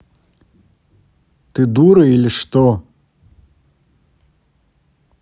ты дура или что